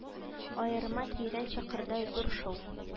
Аерма тирән чокырдай зур шул